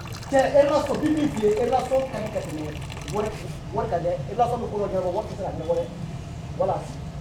Ea e b'a